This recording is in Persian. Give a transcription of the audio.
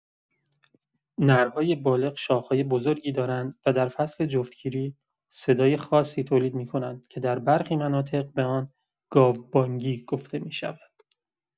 نرهای بالغ شاخ‌های بزرگی دارند و در فصل جفت‌گیری صدای خاصی تولید می‌کنند که در برخی مناطق به آن «گاوبانگی» گفته می‌شود.